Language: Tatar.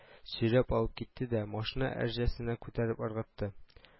Сөйрәп алып китте дә, машина әрҗәсенә күтәреп ыргытты